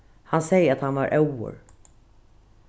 hann segði at hann var óður